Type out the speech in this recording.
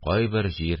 Кайбер җир